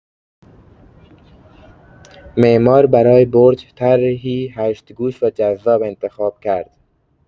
معمار برای برج، طرحی هشت‌گوش و جذاب انتخاب کرد.